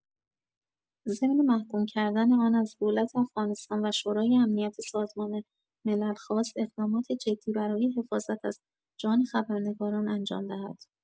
ضمن محکوم کردن آن از دولت افغانستان و شورای امنیت سازمان ملل خواست اقدامات جدی برای حفاظت از جان خبرنگاران انجام دهد.